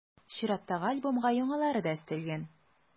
Чираттагы альбомга яңалары да өстәлгән.